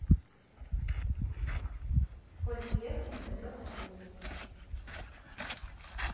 сколько ехать на метро котельники